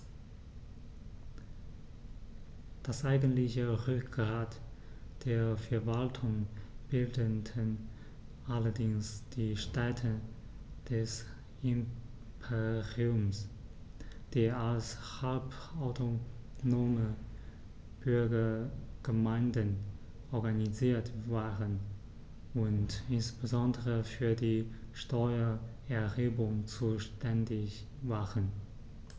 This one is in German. Das eigentliche Rückgrat der Verwaltung bildeten allerdings die Städte des Imperiums, die als halbautonome Bürgergemeinden organisiert waren und insbesondere für die Steuererhebung zuständig waren.